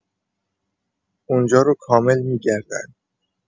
اونجا رو کامل می‌گردن